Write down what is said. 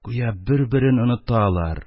Гүя бер-берен оныталар,